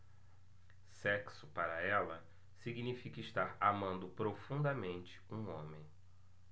sexo para ela significa estar amando profundamente um homem